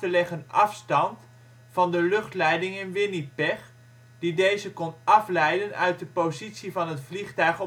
leggen afstand van de luchtleiding in Winnipeg, die deze kon afleiden uit de positie van het vliegtuig